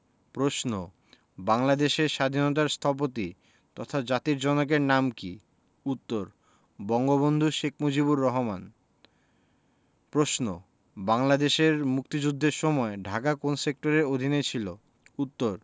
প্রশ্ন বাংলাদেশের স্বাধীনতার স্থপতি তথা জাতির জনকের নাম কী উত্তর বঙ্গবন্ধু শেখ মুজিবুর রহমান প্রশ্ন বাংলাদেশের মুক্তিযুদ্ধের সময় ঢাকা কোন সেক্টরের অধীনে ছিলো উত্তর